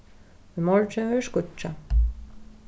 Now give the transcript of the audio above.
í morgin verður skýggjað